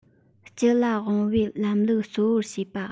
སྤྱི ལ དབང བའི ལམ ལུགས གཙོ བོར བྱེད པ